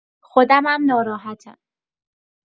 خودمم ناراحتم